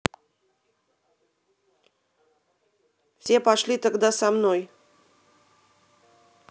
все пошли тогда со мной